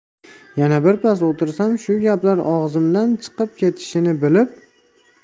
yana birpas o'tirsam shu gaplar og'zimdan chiqib ketishini bilib